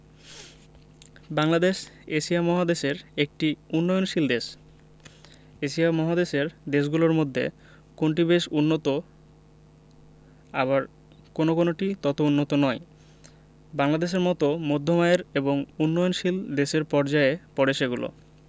Bangladesh Asia মহাদেশের একটি উন্নয়নশীল দেশ এশিয়া মহাদেশের দেশগুলোর মধ্যে কোনটি বেশ উন্নত আবার কোনো কোনোটি তত উন্নত নয় বাংলাদেশের মতো মধ্যম আয়ের এবং উন্নয়নশীল দেশের পর্যায়ে পড়ে সেগুলো